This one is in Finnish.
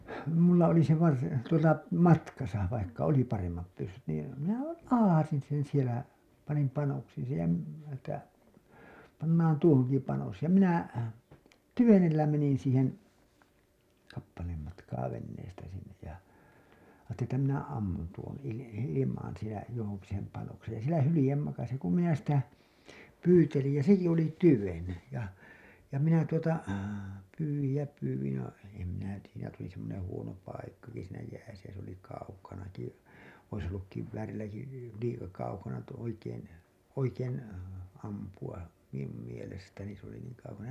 minulla oli se - tuota matkassa vaikka oli paremmat pyssyt niin minähän latasin sen siellä panin panoksiin sen ja - että pannaan tuohonkin panos ja minä tyvenellä menin siihen kappaleen matkaa veneestä sinne ja ajattelin että minä ammun tuon - ilmaan siellä johonkin sen panoksen ja siellä hylje makasi kun minä sitä pyytelin ja sekin oli tyven ja ja minä tuota pyysin ja pyysin ja en minä tiedä siinä tuli semmoinen huono paikkakin siinä jäässä ja se oli kaukanakin olisi ollut kiväärilläkin liika kaukana - oikein oikein ampua minun mielestäni se oli niin kaukana